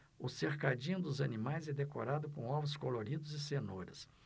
o cercadinho dos animais é decorado com ovos coloridos e cenouras